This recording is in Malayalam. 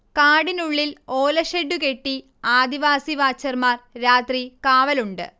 കാടിനുള്ളിൽ ഓലഷെഡ്ഡുകെട്ടി ആദിവാസി വാച്ചർമാർ രാത്രി കാവലുണ്ട്